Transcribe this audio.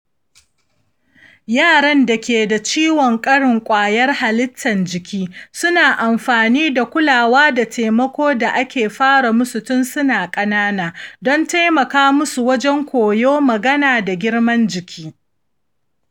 yaran da ke da ciwon ƙarin kwayar halittar jiki suna amfana daga kulawa da taimako da ake fara musu tun suna ƙanana don taimaka musu wajen koyo, magana, da girman jiki.